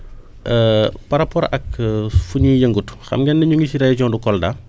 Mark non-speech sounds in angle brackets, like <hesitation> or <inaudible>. <hesitation> par rapport ak <hesitation> fu ñuy yëngatu xam nga ni mu ngi si région de Kolda